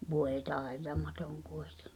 voi taitamaton kuitenkin